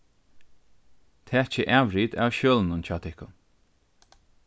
takið avrit av skjølunum hjá tykkum